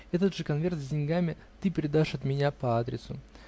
) Этот же конверт с деньгами ты передаешь от меня по адресу.